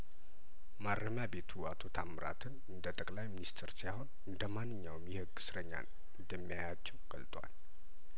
ማረሚያቤቱ አቶ ታምራትን እንደጠቅለይሚንስትር ሳይሆን እንደማንኛውም የህግ እስረኛ እንደሚያያቸው ገልጧል